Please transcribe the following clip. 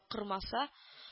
Кормаса